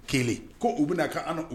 Kelen ko u bɛna kan an